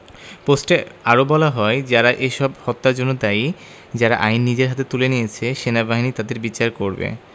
পোস্টে আরো বলা হয় যারা এসব হত্যার জন্য দায়ী এবং যারা আইন নিজের হাতে তুলে নিয়েছে সেনাবাহিনী তাদের বিচার করবে